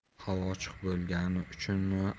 havo ochiq bo'lgani uchunmi